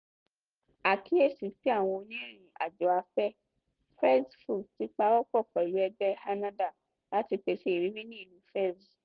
(Àkíyèsí sí àwọn onírìn-àjò afẹ́: Fez Food ti pawọ́ pọ̀ pẹ̀lú Ẹgbẹ́ ENNAHDA láti pèsè ìrírí ní ìlú Fez.)